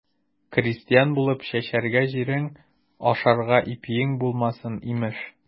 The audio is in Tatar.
Крестьян булып, чәчәргә җирең, ашарга ипиең булмасын, имеш.